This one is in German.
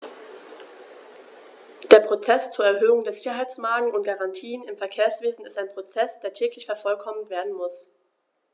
Der Prozess zur Erhöhung der Sicherheitsmargen und -garantien im Verkehrswesen ist ein Prozess, der täglich vervollkommnet werden muss.